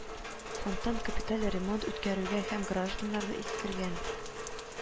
Фондтан капиталь ремонт үткәрүгә һәм гражданнарны искергән